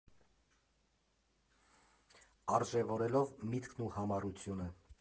Արժևորելով միտքն ու համառությունը։